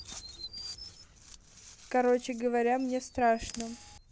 короче говоря мне страшно